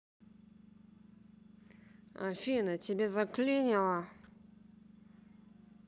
афина тебя заклинило